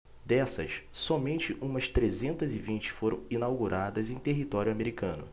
dessas somente umas trezentas e vinte foram inauguradas em território americano